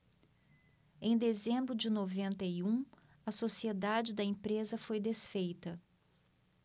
em dezembro de noventa e um a sociedade da empresa foi desfeita